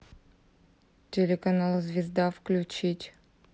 телеканал звезда включить